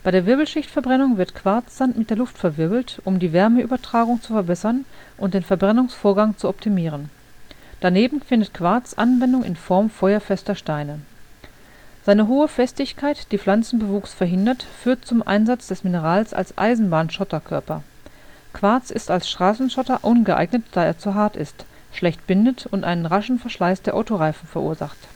der Wirbelschichtverbrennung wird Quarzsand mit der Luft verwirbelt, um die Wärmeübertragung zu verbessern und den Verbrennungsvorgang zu optimieren. Daneben findet Quarz Anwendung in Form feuerfester Steine. Seine hohe Festigkeit, die Pflanzenbewuchs verhindert, führt zum Einsatz des Minerals als Eisenbahnschotterkörper. Quarz ist als Straßenschotter ungeeignet, da er zu hart ist, schlecht bindet und einen raschen Verschleiß der Autoreifen verursacht